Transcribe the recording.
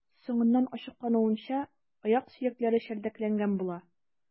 Соңыннан ачыклануынча, аяк сөякләре чәрдәкләнгән була.